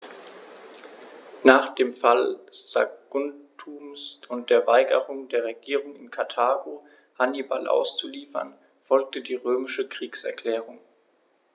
Nach dem Fall Saguntums und der Weigerung der Regierung in Karthago, Hannibal auszuliefern, folgte die römische Kriegserklärung.